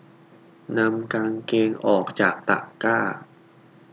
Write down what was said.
นำกางเกงออกจากตะกร้า